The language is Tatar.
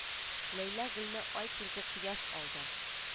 Ләйлә гөлне ай күрде кояш алды